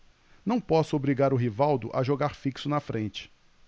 não posso obrigar o rivaldo a jogar fixo na frente